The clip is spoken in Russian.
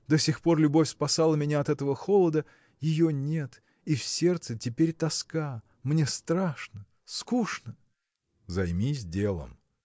До сих пор любовь спасала меня от этого холода ее нет – и в сердце теперь тоска мне страшно, скучно. – Займись делом.